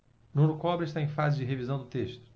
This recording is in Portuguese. nuno cobra está em fase de revisão do texto